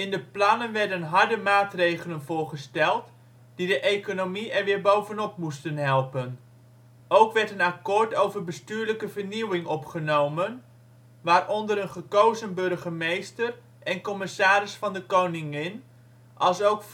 de plannen werden harde maatregelen voorgesteld, die de economie er weer bovenop moesten helpen. Ook werd een akkoord over bestuurlijke vernieuwing opgenomen, waaronder een gekozen burgemeester en commissaris van de koningin alsook